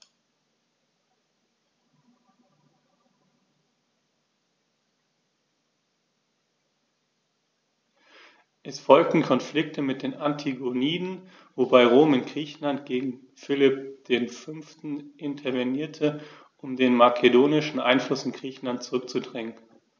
Es folgten Konflikte mit den Antigoniden, wobei Rom in Griechenland gegen Philipp V. intervenierte, um den makedonischen Einfluss in Griechenland zurückzudrängen.